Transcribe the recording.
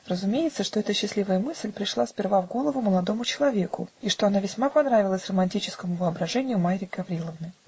Разумеется, что эта счастливая мысль пришла сперва в голову молодому человеку и что она весьма понравилась романическому воображению Марьи Гавриловны.